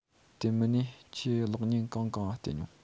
དེ མིན ནས ཁྱོས གློག བརྙན གང གང ང བལྟས མྱོང